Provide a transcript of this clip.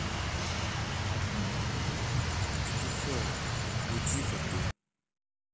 петуха ну тихо ты